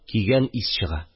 Көйгән ис чыга